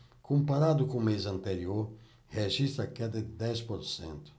comparado com o mês anterior registra queda de dez por cento